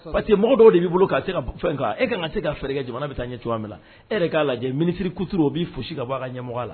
Pa parce que mɔgɔ dɔw de'i bolo k' fɛn e ka ka se ka fɛɛrɛkɛ jamana bɛ taa ɲɛ cogoya min na e k'a lajɛ minisiri kutu u b'i fosi ka bɔ ɲɛmɔgɔ la